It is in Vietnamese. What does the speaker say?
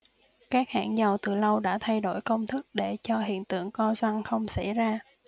các hãng dầu từ lâu đã thay đổi công thức để cho hiện tượng co gioăng không xảy ra